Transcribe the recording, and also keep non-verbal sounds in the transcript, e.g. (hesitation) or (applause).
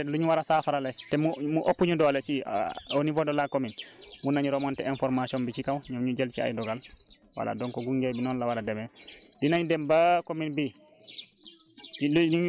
lu nu gis ñu bind remonter li nga xamante ne peut être lu ñu war a saafara la te mu mu ëpp ñu doole si (hesitation) au niveau de la commune mun nañu remonter information bi ci kaw ñoom ñu jël ci ay dogal voilà donc gunge bi noonu la war a demee